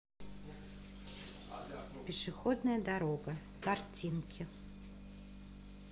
пешеходная дорога картинки